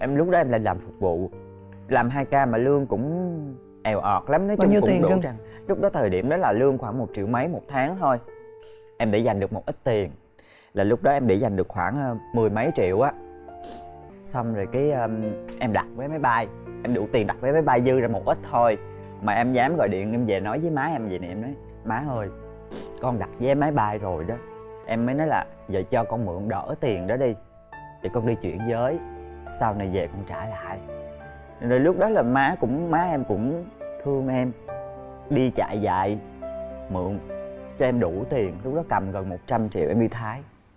em lúc đó em đang làm phục vụ làm hai ca mà lương cũng èo ọt lắm nói chung cũng đủ chăng lúc đó thời điểm đó là lương khoảng một triệu mấy một tháng thôi em để giành được một ít tiền là lúc đó em để dành được khoảng mười mấy triệu á xong rồi cấy em đặt vé máy bay em đủ tiền đặt vé máy bay dư ra một ít thôi mà em dám gọi điện em về nói với má em vậy nè má ơi con đặt vé máy bay rồi đó em mới nói là giờ cho con mượn đỡ tiền đó đi để con đi chuyển giới sau này về con trả lại rồi lúc đó là má cũng má em cũng thương em đi chạy vại mượn cho em đủ tiền lúc đó cầm gần một trăm triệu em đi thái